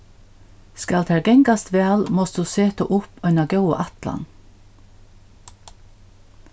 skal tær gangast væl mást tú seta upp eina góða ætlan